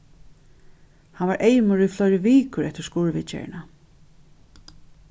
hann var eymur í fleiri vikur eftir skurðviðgerðina